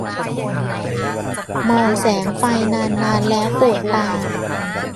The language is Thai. มองแสงไฟนานนานแล้วปวดตา